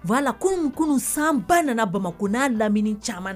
Wala ko kunun sanba nana bamakɔ n'a lamini caman na